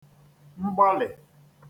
mgbalị̀